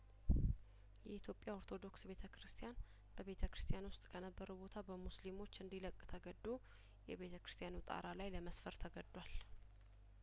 የኢትዮጵያ ኦርቶዶክስ ቤተ ክርስቲያን በቤተ ክርስቲያን ውስጥ ከነበረው ቦታ በሙስሊሞች እንዲለቅ ተገዶ የቤተክርስቲያኑ ጣራ ላይ ለመስፈር ተገዷል